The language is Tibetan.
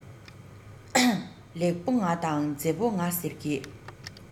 ལེགས པོ ང དང མཛེས པོ ང ཟེར གྱི